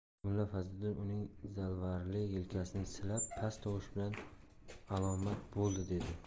mulla fazliddin uning zalvarli yelkasini silab past tovush bilan alomat bo'ldi dedi